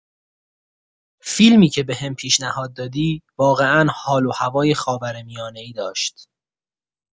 فیلمی که بهم پیشنهاد دادی واقعا حال و هوای خاورمیانه‌ای داشت.